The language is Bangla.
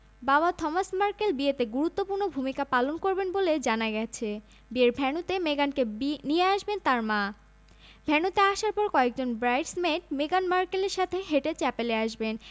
বিয়ের আনুষ্ঠানিকতা শেষে নবদম্পতি গির্জার বাইরে দাঁড়িয়ে থাকা হ্যারির নিজস্ব দাতব্য প্রতিষ্ঠানের ২০০ প্রতিনিধির সঙ্গে শুভেচ্ছা বিনিময় করবেন এরপর ঘোড়ার গাড়িতে চড়ে উইন্ডসর ক্যাসেল ত্যাগ করবেন হ্যারি ও মেগান